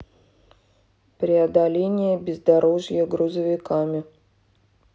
преодоление бездорожья грузовиками